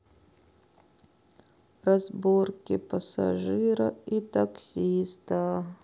разборки пассажира и таксиста